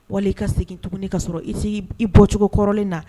Wali i ka segin tuguni k'a sɔrɔ i tɛ i bɔcogo kɔrɔlen na.